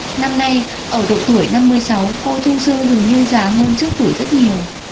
năm nay ở độ tuổi năm mươi sáu cô thu xương dường như già hơn trước tuổi rất nhiều